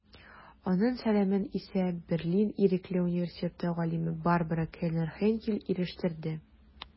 Аның сәламен исә Берлин Ирекле университеты галиме Барбара Кельнер-Хейнкель ирештерде.